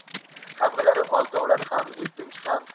hammalari oltovlon ham yettinchi ham